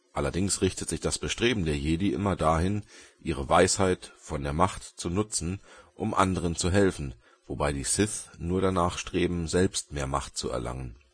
Allerdings richtet sich das Bestreben der Jedi immer dahin, ihre Weisheit von der Macht zu nutzen, um Anderen zu helfen, wobei die Sith nur danach streben, selbst mehr Macht zu erlangen